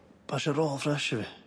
Pasio roll ffres i fi.